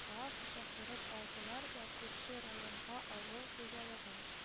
Занга чакырып алдылар да күрше районга авыл хуҗалыгы